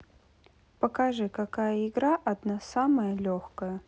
покажи какая игра одна самая легкая